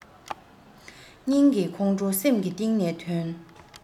སྙིང གི ཁོང ཁྲོ སེམས ཀྱི གཏིང ནས ཐོན